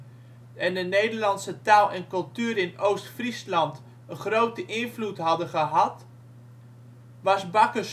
en de Nederlandse taal en cultuur in Oost-Friesland een grote invloed hadden gehad, was Bakker